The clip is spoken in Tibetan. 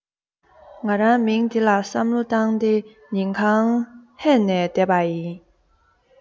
ང རང མིང འདི ལ བསམ བློ བཏང སྟེ ཉིན གང ཧད ནས བསྡད པ ན